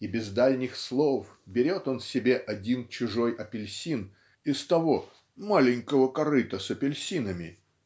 и без дальних слов берет он себе один чужой апельсин из того "маленького корыта с апельсинами"